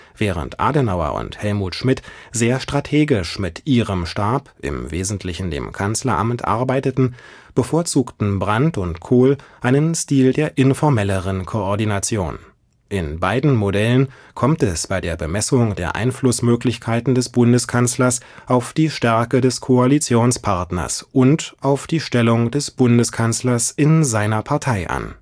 Während Adenauer und Helmut Schmidt sehr strategisch mit ihrem Stab (im Wesentlichen dem Kanzleramt) arbeiteten, bevorzugten Brandt und Kohl einen Stil der informelleren Koordination. In beiden Modellen kommt es bei der Bemessung der Einflussmöglichkeiten des Bundeskanzlers auf die Stärke des Koalitionspartners und auf die Stellung des Bundeskanzlers in seiner Partei an